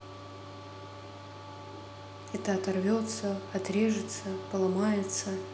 это оторвется отрежется поломается